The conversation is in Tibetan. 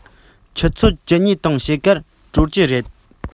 ཆུ ཚོད བཅུ གཉིས དང ཕྱེད ཀར གྲོལ གྱི རེད